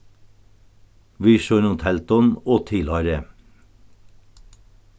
við sínum teldum og tilhoyri